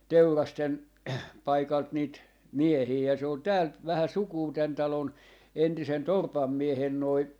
Teurasten paikalta niitä miehiä ja se on täältä vähä sukua tämän talon entisen torpan miehen noin